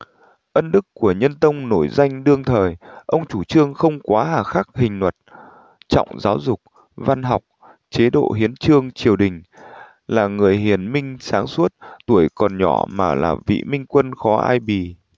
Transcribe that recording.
ân đức của nhân tông nổi danh đương thời ông chủ trương không quá hà khắc hình luật trọng giáo dục văn học chế độ hiến chương triều đình là người hiền minh sáng suốt tuổi còn nhỏ mà là vị minh quân khó ai bì